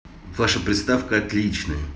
ваша приставка отличная